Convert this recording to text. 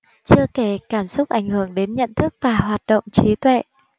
chưa kể cảm xúc ảnh hưởng đến nhận thức và hoạt động trí tuệ